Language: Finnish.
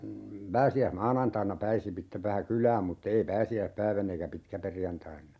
pääsiäismaanantaina pääsi sitten vähän kylään mutta ei pääsiäispäivänä eikä pitkäperjantaina